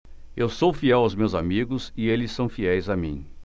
eu sou fiel aos meus amigos e eles são fiéis a mim